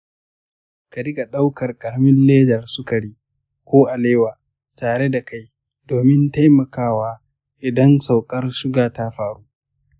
ka riƙa ɗaukar ƙaramin ledar sukari ko alewa tare da kai domin taimakawa idan saukar suga ta faru.